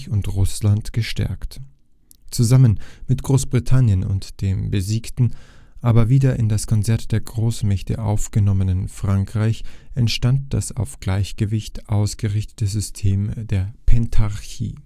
und Russland gestärkt. Zusammen mit Großbritannien und dem besiegten, aber wieder in das Konzert der Großmächte aufgenommenen Frankreich entstand das auf Gleichgewicht ausgerichtete System der Pentarchie